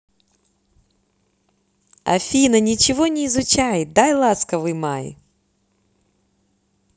афина ничего не изучай дай ласковый май